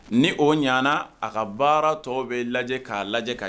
Ni o ɲɛna a ka baara tɔw bɛ lajɛ k'a lajɛ ka